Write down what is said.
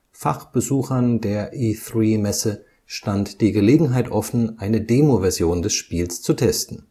Fachbesuchern der E³-Messe stand die Gelegenheit offen, eine Demo-Version des Spiels zu testen